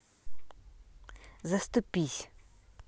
заступись